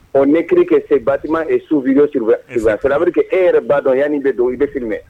Ɔ ne kiirike se bati ye su viyo siriur sirabrike e yɛrɛ ba dɔn yanani bɛ don i bɛsiri mɛn